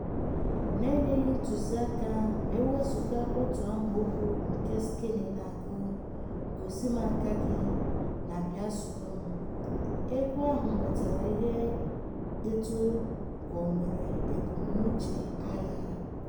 Na-enyeghị ntụziaka (ma e wezụga otu amaokwu nke Skinny na-agụ "gosi m aka gị" na "bịa soro m"), egwu ahụ nwetara ihe dịtụ ka o nwere ebumnuche agha.